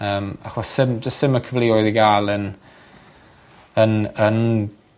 Yym achos sim do's sim y cyfleodd i ga'l yn yn yn